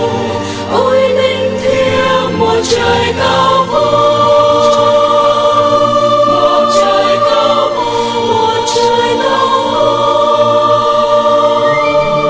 ôi linh thiêng một trời cao vút